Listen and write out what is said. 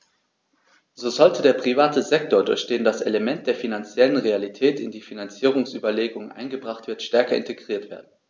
So sollte der private Sektor, durch den das Element der finanziellen Realität in die Finanzierungsüberlegungen eingebracht wird, stärker integriert werden.